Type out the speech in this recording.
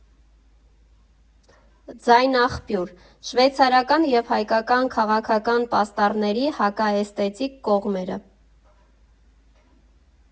Ձայնաղբյուր. շվեյցարական և հայկական քաղաքական պաստառների (հակա)էսթետիկ կողմերը։